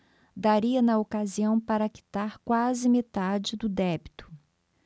daria na ocasião para quitar quase metade do débito